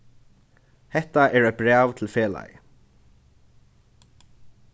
hetta er eitt bræv til felagið